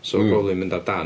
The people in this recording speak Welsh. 'Sa fo'n probably mynd ar dân,